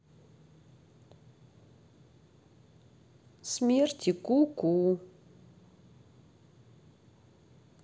смерти ку ку